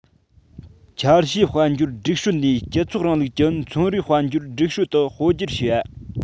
འཆར གཞིའི དཔལ འབྱོར སྒྲིག སྲོལ ནས སྤྱི ཚོགས རིང ལུགས ཀྱི ཚོང རའི དཔལ འབྱོར སྒྲིག སྲོལ དུ སྤོ སྒྱུར བྱས པ